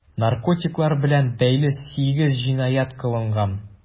Наркотиклар белән бәйле 8 җинаять кылынган.